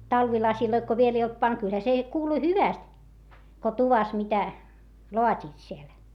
talvilaseja kun vielä ei oltu pantu kyllähän se kuului hyvästi kun tuvassa mitä laativat siellä